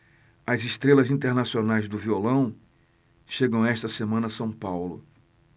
as estrelas internacionais do violão chegam esta semana a são paulo